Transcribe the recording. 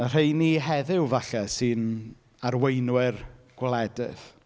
Y rheini heddiw, falle, sy'n arweinwyr gwledydd.